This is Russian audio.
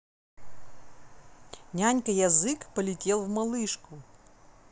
нянька язык полетел в малышку